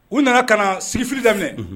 U nana ka na sigifili daminɛ. Unhun